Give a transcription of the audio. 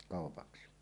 kaupaksi